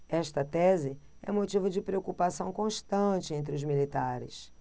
esta tese é motivo de preocupação constante entre os militares